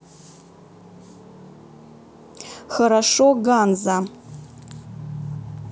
хорошо ганза